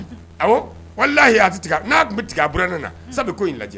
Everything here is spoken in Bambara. A wala laahi a tɛ tigɛ n'a tun bɛ tigɛ auran ne na sabu ko in lajɛ